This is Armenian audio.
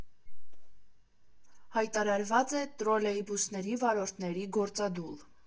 Հայտարարված է տրոլեյբուսների վարորդների գործադուլ։